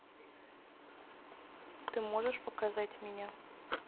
ты можешь показать меня